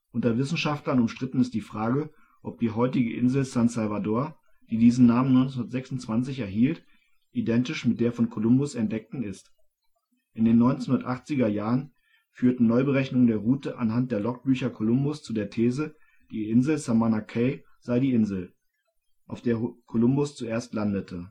Unter Wissenschaftlern umstritten ist die Frage, ob die heutige Insel San Salvador, die diesen Namen 1926 erhielt, identisch mit der von Kolumbus entdeckten ist. In den 1980er Jahren führten Neuberechnungen der Route anhand der Logbücher Kolumbus ' zu der These, die Insel Samana Cay sei die Insel, auf der Kolumbus zuerst landete